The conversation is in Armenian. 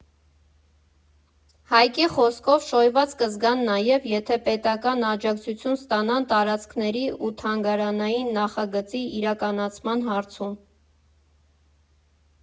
Հայկի խոսքով՝ շոյված կզգան նաև, եթե պետական աջակցություն ստանան տարածքների ու թանգարանային նախագծի իրականացման հարցում.